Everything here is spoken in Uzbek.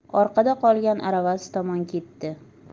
orqada qolgan aravasi tomon ketdi